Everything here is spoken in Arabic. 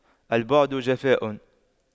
البعد جفاء